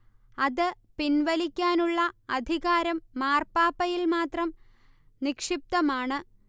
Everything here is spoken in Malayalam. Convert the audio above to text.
അത് പിൻവലിക്കാനുള്ള അധികാരം മാർപ്പാപ്പയിൽ മാത്രം നിക്ഷിപ്തമാണ്